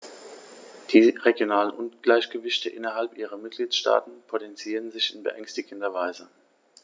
Die regionalen Ungleichgewichte innerhalb der Mitgliedstaaten potenzieren sich in beängstigender Weise.